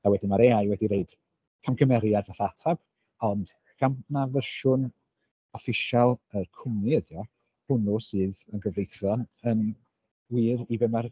A wedyn mae'r AI wedi roid camgymeriad fatha ateb ond gan na fersiwn official yr cwmni ydy o, hwnnw sydd yn gyfreithlon yn wir i be ma'r...